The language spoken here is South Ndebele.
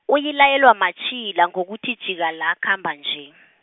uyilayelwa matjhila ngokuthi jika la khamba nje.